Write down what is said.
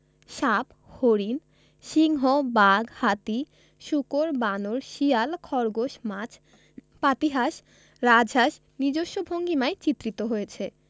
সাপ হরিণ সিংহ বাঘ হাতি শূকর বানর শিয়াল খরগোশ মাছ পাতিহাঁস রাজহাঁস নিজস্ব ভঙ্গিমায় চিত্রিত হয়েছে